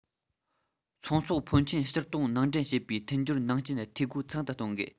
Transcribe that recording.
ཚོང ཟོག ཕོན ཆེན ཕྱིར གཏོང ནང འདྲེན བྱེད པའི མཐུན སྦྱོར ནང རྐྱེན འཐུས སྒོ ཚང དུ གཏོང དགོས